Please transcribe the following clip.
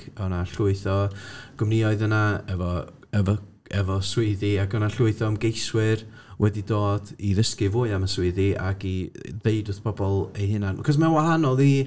Oedd 'na llwyth o gwmnioedd yna efo efo efo swyddi ac oedd 'na llwyth o ymgeiswyr wedi dod i ddysgu fwy am y swyddi ac i ddeud wrth bobl eu hunain. Achos mae'n wahanol i...